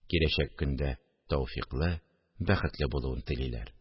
Киләчәк көндә тәүфыйклы, бәхетле булуын телиләр